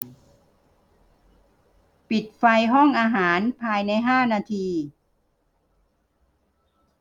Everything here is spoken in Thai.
ปิดไฟห้องอาหารภายในห้านาที